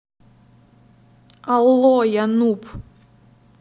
алло я нуб